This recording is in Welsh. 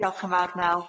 Diolch yn fawr Mel.